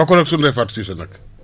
bokkul ak suñ Ndeye Fatou Cissé nag